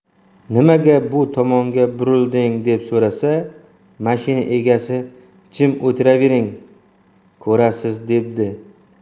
nimaga bu tomonga burilding deb so'rasa mashina egasi jim o'tiravering ko'rasiz debdi